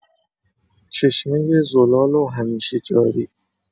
چشمه زلال و همیشه جاری